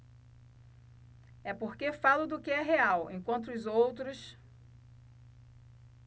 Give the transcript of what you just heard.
é porque falo do que é real enquanto os outros